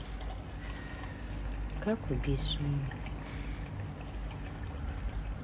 как убить жену